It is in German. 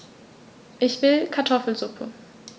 Ich will Kartoffelsuppe.